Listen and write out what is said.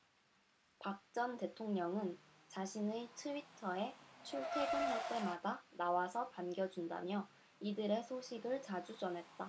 박 전 대통령은 자신의 트위터에 출퇴근할 때마다 나와서 반겨준다며 이들의 소식을 자주 전했다